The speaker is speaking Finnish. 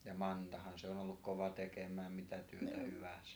ja Mantahan se on ollut kova tekemään mitä työtä hyvänsä